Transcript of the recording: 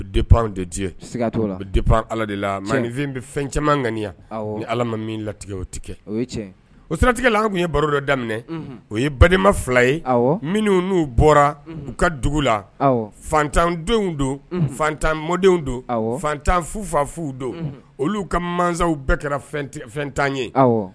De lafin bɛ fɛn caman ŋaniya ni ala min latigɛ o tɛ kɛ o siratigɛla tun ye baro dɔ daminɛ o ye balimama fila ye minnu n'u bɔra u ka dugu latandenw dontan mɔdenw don fatan fufafuw don olu ka masaw bɛɛ kɛra fɛntan ye